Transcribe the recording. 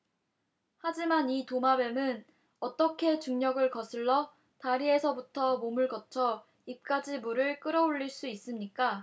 하지만 이 도마뱀은 어떻게 중력을 거슬러 다리에서부터 몸을 거쳐 입까지 물을 끌어 올릴 수 있습니까